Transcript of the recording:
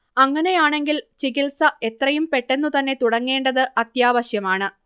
അങ്ങനെയാണെങ്കിൽ ചികിത്സ എത്രയും പെട്ടെന്നു തന്നെ തുടങ്ങേണ്ടത് അത്യാവശ്യമാണ്